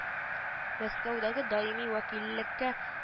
Мәскәүдәге даими вәкиллеккә